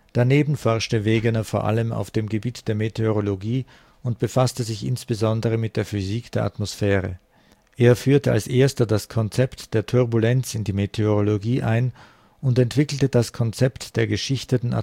Daneben forschte Wegener vor allem auf dem Gebiet der Meteorologie und befasste sich insbesondere mit der Physik der Atmosphäre. Er führte als erster das Konzept der Turbulenz in die Meteorologie ein und entwickelte das Konzept der geschichteten